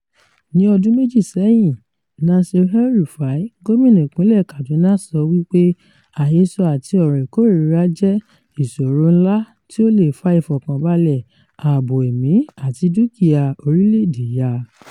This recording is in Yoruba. Ní ọdún méjì sẹ́yìn, Nasir El-Rufai, gómìnà ìpínlẹ̀ Kaduna, sọ wípé àhesọ àti ọ̀rọ̀ ìkórìíra jẹ́ “ìṣòro ńlá” tí ó lè fa ìfọ̀kànbalẹ̀, ààbò ẹ̀mí àti dúkìá orílẹ̀-èdè yà.